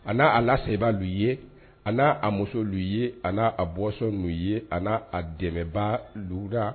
A ni a la seyiba bɛ ye, a ni a muso bɛ ye, a ni a bɔnsɔn bɛ ye, a ni a dɛmɛbaa